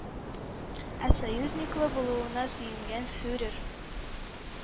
Ә “союзник”лы булуына сөенгән фюрер,